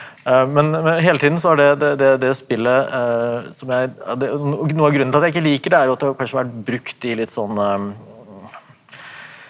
men men hele tiden så er det det det det spillet som jeg av det og noe av grunnen til at jeg ikke liker det er jo at det har kanskje vært brukt i litt sånn .